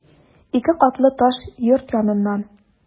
Ике катлы таш йорт яныннан...